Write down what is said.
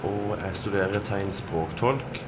Og jeg studerer tegnspråktolk.